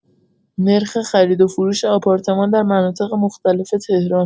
نرخ خرید و فروش آپارتمان در مناطق مختلف تهران